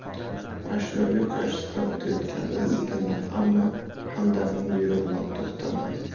mashina uy qarshisidan o'tayotganida sekinladi ammo hamdamning buyrug'i bilan to'xtamadi